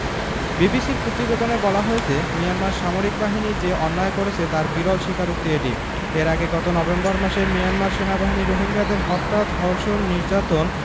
বিবিসির প্রতিবেদনে বলা হয়েছে মিয়ানমার সামরিক বাহিনী যে অন্যায় করেছে তার বিরল স্বীকারোক্তি এটি এর আগে গত নভেম্বর মাসে মিয়ানমার বাহিনী রোহিঙ্গাদের হত্যা ধর্ষণ নির্যাতন